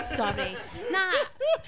Sori. Na.